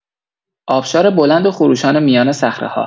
آبشار بلند و خروشان میان صخره‌ها